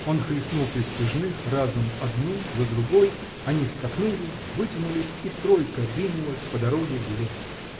Он хлестнул пристяжных разом одну за другой они скакнули вытянулись и тройка ринулась по дороге в лес.